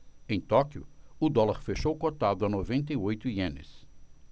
em tóquio o dólar fechou cotado a noventa e oito ienes